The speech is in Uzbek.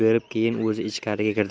berib keyin o'zi ichkariga kirdi